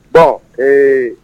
Dɔn ee